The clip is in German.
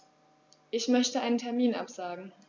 Ich möchte einen Termin absagen.